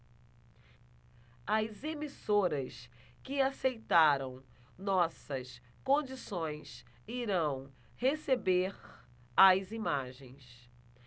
as emissoras que aceitaram nossas condições irão receber as imagens